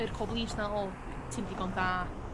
yr core beliefs 'na o yy ti'm digon da.